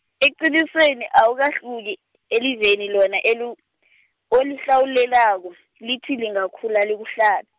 eqinisweni awukahluki, eliveni lona elu- , olihlawulelako lithi lingakhula likuhlabe.